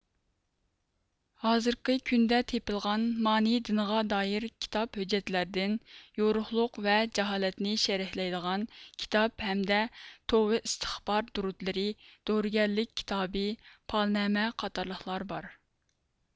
ھازىرقى كۈندە تېپىلغان مانى دىنىغا دائىر كىتاب ھۆججەتلەردىن يورۇقلۇق ۋە جاھالەتنى شەرھلەيدىغان كىتاب ھەمدە توۋا ئىستىغپار دۇرۇتلىرى دورىگەرلىك كىتابى پالنامە قاتارلىقلار بار